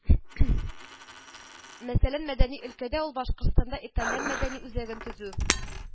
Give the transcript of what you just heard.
Мәсәлән, мәдәни өлкәдә ул Башкортстанда Итальян мәдәни үзәген төзү